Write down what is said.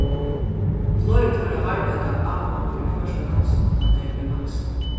fleiri teirra varðveita áhugan fyri føroyska dansinum tá tey eru blivin vaksin